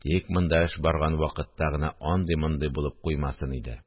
Тик монда эш барган вакытта гына андый-мондый булып куймасын иде